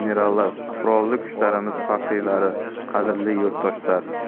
generallar qurolli kuchlarimiz faxriylari qadrli yurtdoshlar